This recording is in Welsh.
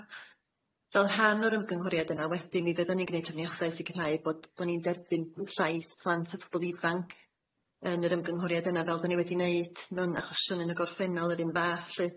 Fel rhan o'r ymgynghoriad yna wedyn, mi fyddan ni'n gneud trefniadau i sicirhau bod bo' ni'n derbyn llais plant a phobol ifanc yn yr ymgynghoriad yna, fel 'dan ni wedi neud mewn achosion yn y gorffennol yr un fath lly.